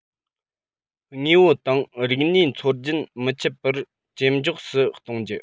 དངོས པོ དང རིག གནས འཚོ བ རྒྱུན མི འཆད པར ཇེ ལེགས སུ གཏོང རྒྱུ